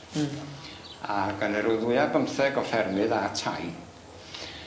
Hmm. Ag o 'ne ryw ddwy ar bymtheg o ffermydd a tai